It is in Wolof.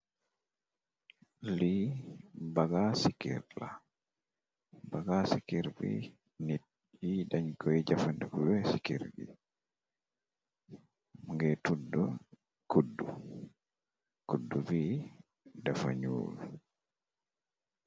Lii bagas ci kerr la, bagas ci kerr bi nit yi dañ koy jafandiko ci kerr , mungi ngay tudd kuddu , kudd bi dafa ñuul.